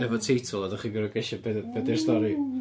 efo teitl, a dach chi'n gorod gesho be 'di... www. ...be 'di'r stori?